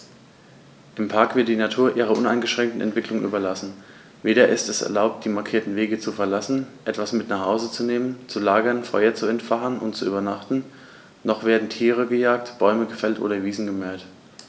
Im Park wird die Natur ihrer uneingeschränkten Entwicklung überlassen; weder ist es erlaubt, die markierten Wege zu verlassen, etwas mit nach Hause zu nehmen, zu lagern, Feuer zu entfachen und zu übernachten, noch werden Tiere gejagt, Bäume gefällt oder Wiesen gemäht.